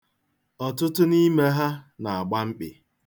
Ọtụtụ n'ime ha na-agba mkpị.